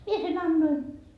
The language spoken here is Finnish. minä sen annoin